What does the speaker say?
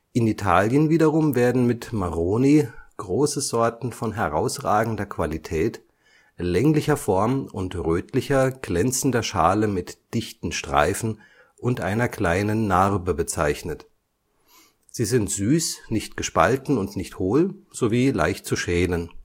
In Italien wiederum werden mit marroni große Sorten von herausragender Qualität, länglicher Form, und rötlicher, glänzender Schale mit dichten Streifen und einer kleinen Narbe bezeichnet. Sie sind süß, nicht gespalten und nicht hohl sowie leicht zu schälen